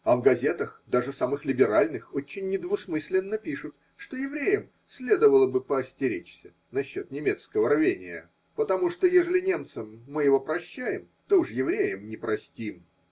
А в газетах, лаже самых либеральных, очень недвусмысленно пишут, что евреям следовало бы поостеречься насчет немецкого рвения, потому что, ежели немцам мы его прощаем. то уж евреям не простим.